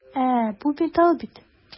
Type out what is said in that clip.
Ә бу металл бит!